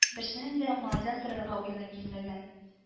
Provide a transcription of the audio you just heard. Берсенең дә малайдан сорарга уена килмәгән